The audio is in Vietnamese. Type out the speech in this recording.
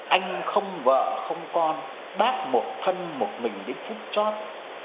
anh không vợ không con bác một thân một mình đến phút chót